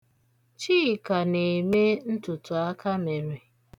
Chika na-eme ntụtụakamere.